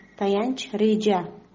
tayanch reja